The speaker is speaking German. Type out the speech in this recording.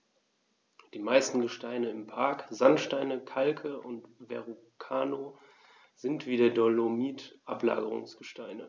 Die meisten Gesteine im Park – Sandsteine, Kalke und Verrucano – sind wie der Dolomit Ablagerungsgesteine.